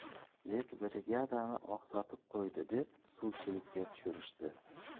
lekin brigadani oqsatib qo'ydi deb suvchilikka tushirishdi